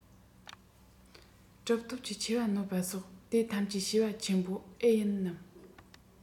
གྲུབ ཐོབ ཀྱི ཆེ བར གནོད པ སོགས དེ ཐམས ཅད བྱས པ ཆེན པོ ཨེ ཡིན ནམ